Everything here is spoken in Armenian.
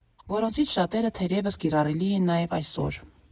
Որոնցից շատերը թերևս կիրառելի են նաև այսօր։